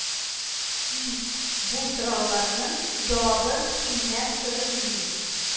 И, бу сорауларның җавабын Синнән сорыйм мин